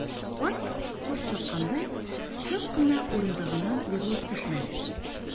Карт, корт чаккандай, чак кына урындыгыннан егылып төшмәде.